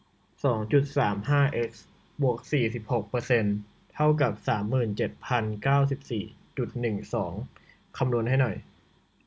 สองจุดสามห้าเอ็กซ์บวกสี่สิบหกเปอร์เซนต์เท่ากับสามหมื่นเจ็ดพันเก้าสิบสี่จุดหนึ่งสองคำนวณให้หน่อย